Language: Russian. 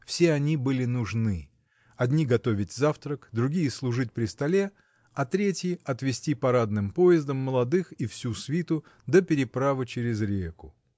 Все они были нужны: одни готовить завтрак, другие служить при столе, а третьи — отвезти парадным поездом молодых и всю свиту до переправы через реку.